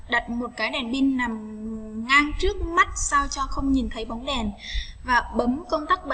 đặt một cái đèn pin nằm ngang trước mắt sao cho không nhìn thấy bóng đèn và bấm công tắc